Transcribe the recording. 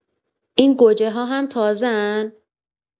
این گوجه‌ها هم تازه‌ان؟